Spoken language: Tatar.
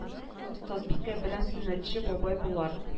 Остазбикә белән сөннәтче бабай болар